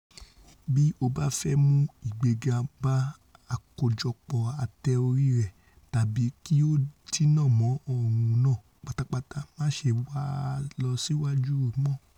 Bí o báfẹ́ mú ìgbéga bá àkójọpọ̀ ate-orí rẹ tàbí kí o dínàmọ́ òòrùn náà pátápátá máṣe wá a lọ síwájú mọ́.